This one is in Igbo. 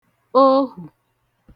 ohù